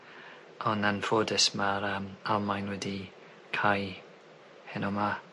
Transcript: On' anffodus ma'r yym Almaen wedi cau heno 'ma.